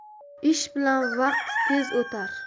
ish bilan vaqt tez o'tar